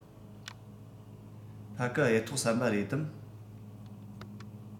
ཕ གི གཡུ ཐོག ཟམ པ རེད དམ